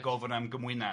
...a gofyn am gymwynas.